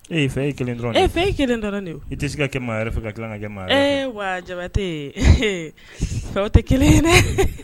Ee ye fɛn kelen dɔrɔn fɛn kelen dɔrɔn de i tɛ se ka kɛ ma yɛrɛ fɛ ka kelen ka kɛ ma ee wa jabatɛ fɛ tɛ kelen dɛ